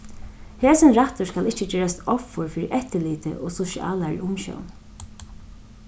hesin rættur skal ikki gerast offur fyri eftirliti og sosialari umsjón